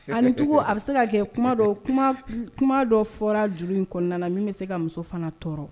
Ani tugu a bɛ se ka kɛ kuma kuma dɔ fɔra juru in kɔnɔna na min bɛ se ka muso fana tɔɔrɔ